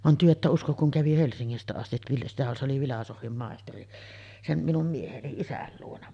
vaan te ette usko kun kävi Helsingistä asti - se oli filosofian maisteri sen minun mieheni isän luona